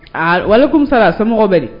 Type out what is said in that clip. Alo walekum salam. Somɔgɔw bɛ di